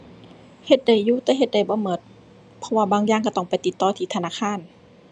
เฮ็ดได้อยู่ แต่เฮ็ดได้บ่หมด เพราะว่าบางอย่างหมดต้องไปติดต่อที่ธนาคาร